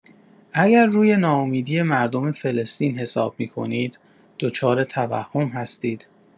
اگر روی ناامیدی مردم فلسطین حساب می‌کنید، دچار توهم هستید.